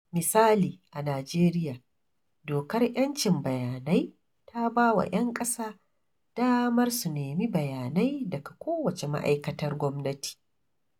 Misali, a Najeriya, Dokar 'Yancin Bayanai ta ba wa 'yan ƙasa damar su nemi bayanai daga kowace ma'aikatar gwamnati.